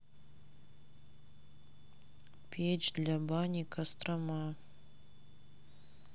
печь для бани кострома